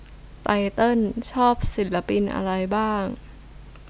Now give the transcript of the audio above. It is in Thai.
ไตเติ้ลชอบศิลปินอะไรบ้าง